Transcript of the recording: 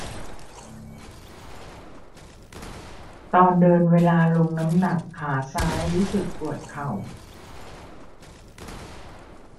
ตอนเดินเวลาลงน้ำหนักขาซ้ายรู้สึกปวดเข่า